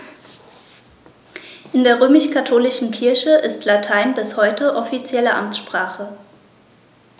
In der römisch-katholischen Kirche ist Latein bis heute offizielle Amtssprache.